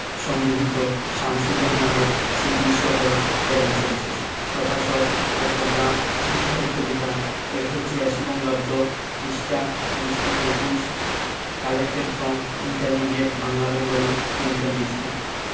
সংগৃহীত শামসুর রাহমানের স্মৃতির শহর এর অংশবিশেষ প্রকাশকঃ চট্টগ্রাম শিশু সাহিত্য বিতান ১৩৮৬ বঙ্গাব্দ পৃষ্ঠাঃ ২০ ২১ collected from intermediate Bangla Bengali Clinton B Seely